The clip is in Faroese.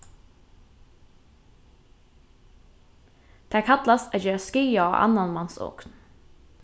tað kallast at gera skaða á annan mans ogn